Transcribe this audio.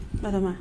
Barama